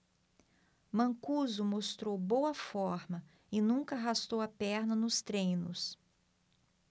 mancuso mostrou boa forma e nunca arrastou a perna nos treinos